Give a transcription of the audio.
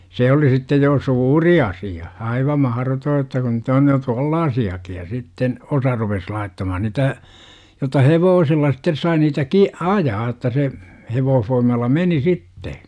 se oli sitten jo suuri asia aivan mahdoton että kun nyt on jo tuollaisiakin ja sitten osa rupesi laittamaan niitä jota hevosilla sitten sai niitä - ajaa jotta se hevosvoimalla meni sitten